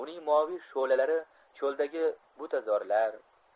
uning moviy shu'lalari cho'ldagi butazorlar